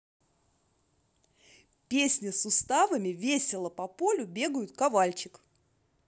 песня суставами весело по полю бегают ковальчик